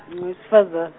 ngingowesifaza-.